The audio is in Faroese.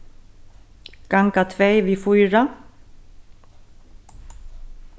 ganga tvey við fýra